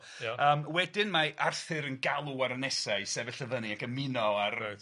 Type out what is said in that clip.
Ia. Yym wedyn mae Arthur yn galw ar y nesa i sefyll y fyny ac ymuno ar y... Reit.